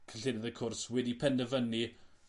...cynllunydd y cwrs wedi penderfynu